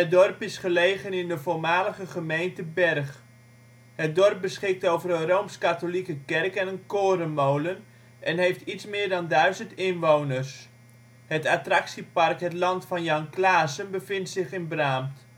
dorp is gelegen in de voormalige gemeente Bergh. Het dorp beschikt over een R.K. kerk en een korenmolen, en heeft iets meer dan 1000 inwoners. Het attractiepark Het Land van Jan Klaassen bevindt zich ook in Braamt